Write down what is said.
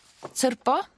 tyrbo